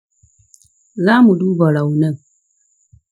za mu duba raunin